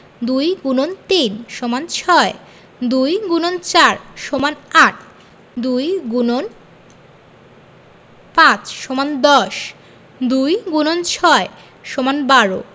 ২ X ৩ = ৬ ২ X ৪ = ৮ ২ X ৫ = ১০ ২ X ৬ = ১২